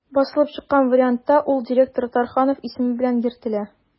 Басылып чыккан вариантта ул «директор Тарханов» исеме белән йөртелә.